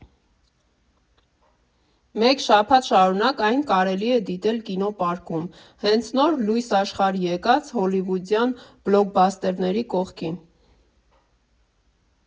Մեկ շաբաթ շարունակ այն կարելի է դիտել ԿինոՊարկում՝ հենց նոր լույս աշխարհ եկած հոլիվուդյան բլոքբասթերների կողքին։